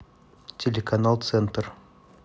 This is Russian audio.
телеканал центр